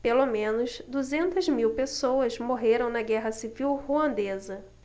pelo menos duzentas mil pessoas morreram na guerra civil ruandesa